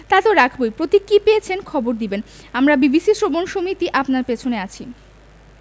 তা তো রাখবোই প্রতীক কি পেয়েছেন খবর দিবেন আমরা বিবিসি শ্রবণ সমিতি আপনার পেছনে আছি